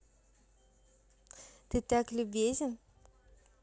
ты так любезны